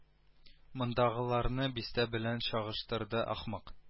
Мондагыларны бистә белән чагыштырды ахмак